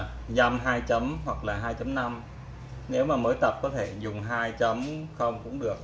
dăm hoặc nếu mới tập có thể dùng cũng được